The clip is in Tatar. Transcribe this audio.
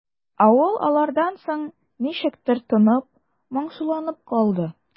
Авыл алардан соң ничектер тынып, моңсуланып калды.